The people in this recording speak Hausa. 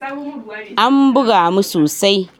An buga mu sosai